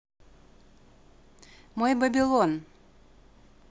мой babylon